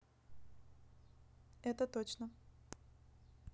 это точно